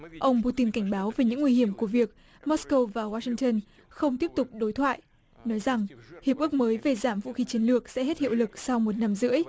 ông bu tin cảnh báo về những nguy hiểm của việc mót cô và goa xinh tưn không tiếp tục đối thoại nói rằng hiệp ước mới về giảm vũ khí chiến lược sẽ hết hiệu lực sau một năm rưỡi